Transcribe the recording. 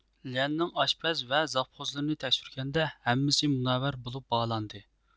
ليەننىڭ ئاشپەز ۋە زاپغوسلىرىنى تەكشۈرگەندە ھەممىسى مۇنەۋۋەر بولۇپ باھالاندى